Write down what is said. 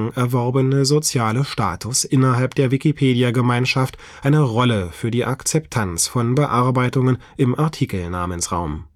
erworbene – soziale Status innerhalb der Wikipedia-Gemeinschaft eine Rolle für die Akzeptanz von Bearbeitungen im Artikelnamensraum